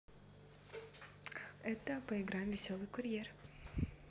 это поиграем веселый курьер